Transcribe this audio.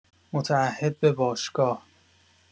متعهد به باشگاه